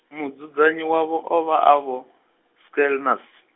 mudzudzanyi wayo o vha a vho, Schwellnus.